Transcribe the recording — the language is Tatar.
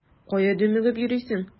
Кая дөмегеп йөрисең?